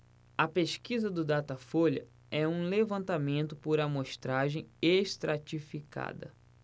a pesquisa do datafolha é um levantamento por amostragem estratificada